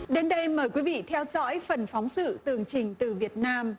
đến đây mời quý vị theo dõi phần phóng sự tường trình từ việt nam